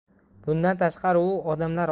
bundan tashqari u odamlar